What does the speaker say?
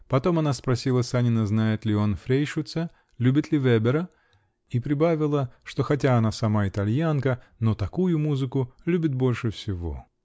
Потом она спросила Санина, знает ли он "Фрейшюца", любит ли Вебера, и прибавила, что хотя она сама итальянка, но такую музыку любит больше всего.